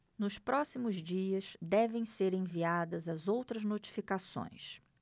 nos próximos dias devem ser enviadas as outras notificações